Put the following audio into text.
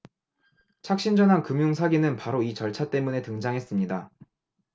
착신전환 금융사기는 바로 이 절차 때문에 등장했습니다